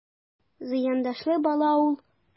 Зыяндашлы бала ул...